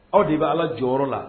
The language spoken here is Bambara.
Aw de b bɛ' ala jɔyɔrɔ la